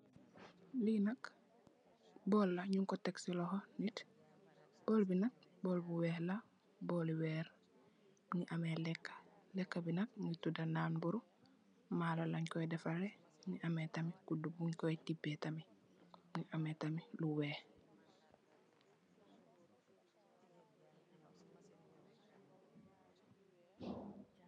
Lii nak bool la ñung ko tek si loxo nit, bool bi ñung ko tek si loxo nit. Bool bi nak, bool bu weex la, booli weer, mu ngi am leeka, leeka bi nak, mu ngi tudu naanmburu, maalo lañg koy defaree, mu ngi amee tam kuddu, buñg Koy tibbé tam, mu amee tamit lu weex,